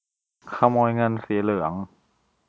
ขโมยเงินสีเหลือง